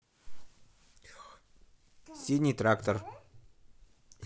синий трактор